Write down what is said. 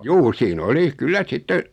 juu siinä oli kyllä sitten